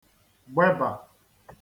gbebà